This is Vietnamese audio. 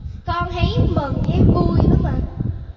con thấy mừng với vui lắm mà